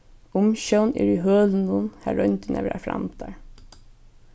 umsjón er í hølunum har royndirnar verða framdar